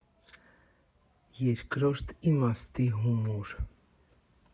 Երկրորդ իմաստի հումոր։